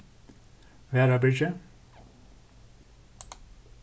varðabyrgi